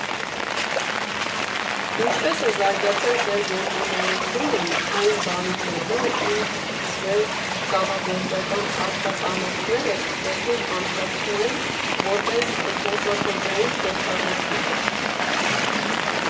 Ինչպե՞ս է զարգացել ձեր գործունեությունն այն բանից հետո, ինչ ձեր կավագործական աշխատանոցները սկսեցիք անցկացնել որպես զբոսաշրջային փորձառություն։